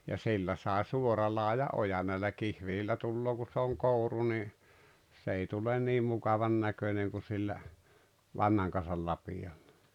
ja sillä sai suoralaajan ojan näillä kihveleillä tulee kun se on kouru niin se ei tule niin mukavan näköinen kuin sillä vanhan kansan lapioilla